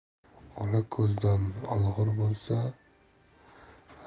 ola ko'zdan olg'ir